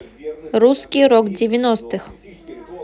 русский рок девяностых